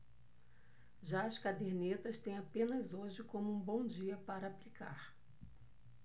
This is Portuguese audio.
já as cadernetas têm apenas hoje como um bom dia para aplicar